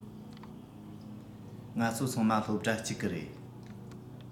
ང ཚོ ཚང མ སློབ གྲྭ གཅིག གི རེད